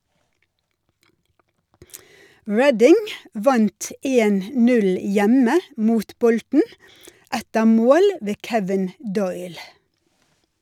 Reading vant 1-0 hjemme mot Bolton etter mål ved Kevin Doyle.